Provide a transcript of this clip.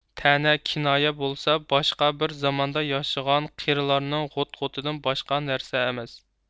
تەنە كىنايە بولسا باشقا بىر زاماندا ياشىغان قېرىلارنىڭ غوت غوتىدىن باشقا نەرسە ئەمەس